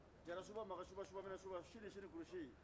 jarasuba magasuba subaa minɛ subaa